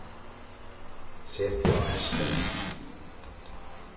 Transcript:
set teg á hestin